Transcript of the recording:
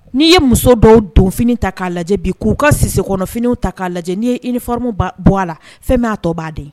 N'i ye muso dɔw donf ta k'a lajɛ bi k'u ka sinse kɔnɔfiniw ta k'a lajɛ n'i ye i nifa b bɔ a la fɛn b'a tɔ b'a den